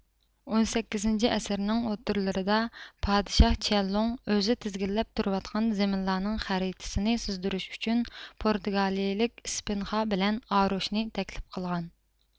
ئون سەككىزىنچى ئەسىرنىڭ ئوتتۇرىلىرىدا پادىشاھ چيەنلۇڭ ئۆزى تىزگىنلەپ تۇرۇۋاتقان زېمىنلارنىڭ خەرىتىسىنى سىزدۇرۇش ئۈچۈن پورتىگالىيىلىك ئېسپىنخا بىلەن ئاروچنى تەكلىپ قىلغان